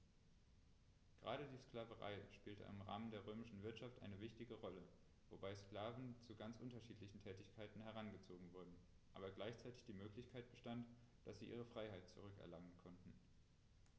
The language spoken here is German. Gerade die Sklaverei spielte im Rahmen der römischen Wirtschaft eine wichtige Rolle, wobei die Sklaven zu ganz unterschiedlichen Tätigkeiten herangezogen wurden, aber gleichzeitig die Möglichkeit bestand, dass sie ihre Freiheit zurück erlangen konnten.